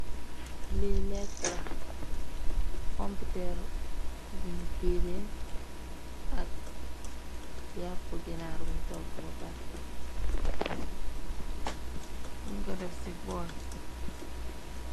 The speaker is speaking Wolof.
Lii lekk la, pompitër buñu fiireer, ak yàpp ginaar buñ togg ba pare, nyu ko def ci bool.